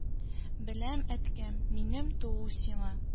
Беләм, әткәм, минем туу сиңа